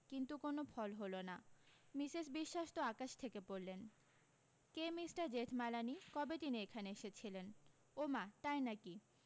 কিন্তু কোনো ফল হলো না মিসেস বিশ্বাস তো আকাশ থেকে পড়লেন কে মিষ্টার জেঠমালানি কবে তিনি এখানে এসেছিলেন ওমা তাই নাকি